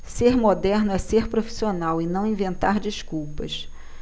ser moderno é ser profissional e não inventar desculpas